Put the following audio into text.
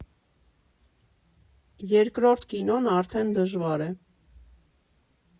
Երկրորդ կինոն արդեն դժվար է։